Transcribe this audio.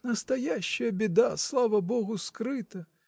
— Настоящая беда, слава Богу, скрыта.